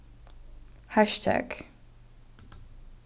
hassjtagg